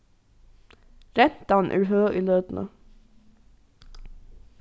rentan er høg í løtuni